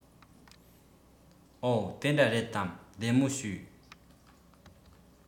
འོ དེ འདྲ རེད དམ བདེ མོ བྱོས